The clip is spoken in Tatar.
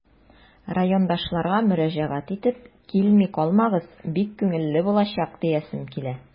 Райондашларга мөрәҗәгать итеп, килми калмагыз, бик күңелле булачак диясем килә.